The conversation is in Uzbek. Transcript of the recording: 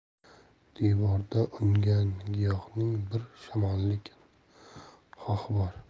devorda ungan giyohning bir shamollik hoh bor